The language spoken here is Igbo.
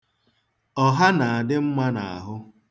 Ọha na-adị mma n'ahụ.